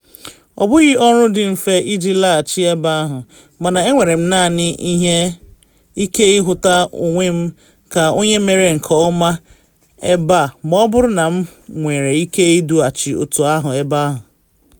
“Ọ bụghị ọrụ dị mfe iji laghachi ebe ahụ, mana enwere naanị ike ịhụta onwe m ka onye mere nke ọma ebe a ma ọ bụrụ na m nwere ike idughachi otu ahụ ebe ahụ.”